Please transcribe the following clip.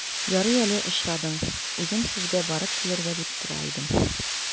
Ярый әле очрадың, үзем сезгә барып килергә дип тора идем.